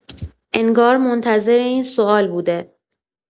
انگار منتظر این سوال بوده.